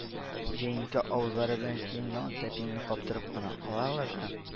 Җәенке авызлары белән синең ялан тәпиеңне каптырып кына алырлар да, о